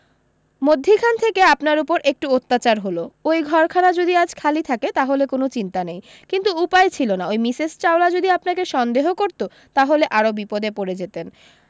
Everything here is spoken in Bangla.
মধ্যিখান থেকে আপনার উপর একটু অত্যাচার হলো অই ঘরখানা যদি আজ খালি থাকে তাহলে কোনো চিন্তা নেই কিন্তু উপায় ছিল না ওই মিসেস চাওলা যদি আপনাকে সন্দেহ করতো তা হলে আরও বিপদে পড়ে যেতেন